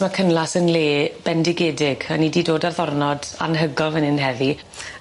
###ma' Cynlas yn le bendigedig a ni 'di dod ar ddyrnod anhygol fyn hyn heddi.